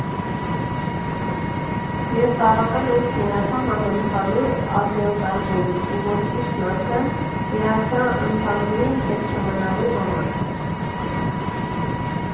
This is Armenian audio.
Ես բավական ուշ միացա համընդհանուր աժիոտաժին, ու, որ ճիշտն ասեմ, միացա ընդհանուրից հետ չմնալու համար։